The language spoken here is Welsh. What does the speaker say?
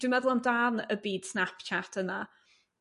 dwi'n meddwl am dan y byd Snapchat yna